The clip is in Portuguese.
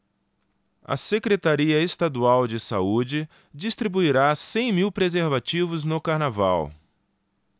a secretaria estadual de saúde distribuirá cem mil preservativos no carnaval